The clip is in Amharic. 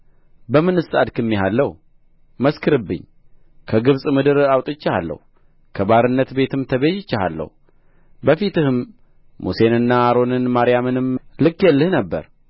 በምንስ አድክሜሃለሁ መስክርብኝ ከግብጽ ምድር አውጥቼሃለሁ ከባርነት ቤትም ተቤዥቼሃለሁ በፊትህም ሙሴንና አሮንን ማርያምንም ልኬልህ ነበር